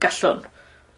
Gallwn.